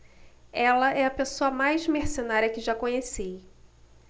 ela é a pessoa mais mercenária que já conheci